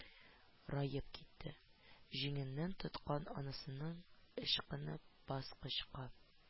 Раеп китте, җиңеннән тоткан анасыннан ычкынып, баскычка